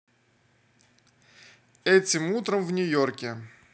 этим утром в нью йорке